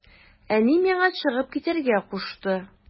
Әни миңа чыгып китәргә кушты.